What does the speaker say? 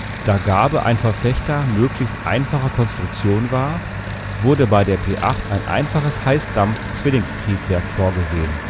Da Garbe ein Verfechter möglichst einfacher Konstruktion war, wurde bei der P 8 ein einfaches Heißdampf-Zwillingstriebwerk vorgesehen